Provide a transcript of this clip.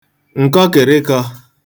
ǹkọkị̀rịkọ̄